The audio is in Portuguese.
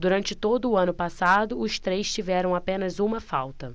durante todo o ano passado os três tiveram apenas uma falta